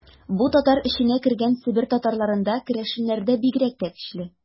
Бу татар эченә кергән Себер татарларында, керәшеннәрдә бигрәк тә көчле.